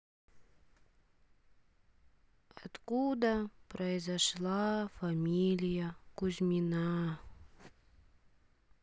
откуда произошла фамилия кузьмина